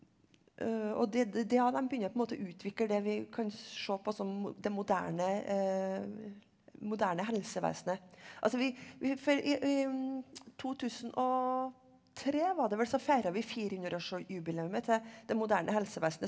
og det det ja dem begynner å på en måte utvikle det vi kan se på som det moderne moderne helsevesenet altså vi vi for i i 2003 var det vel så feira vi firehundreårsjubileet til det moderne helsevesenet.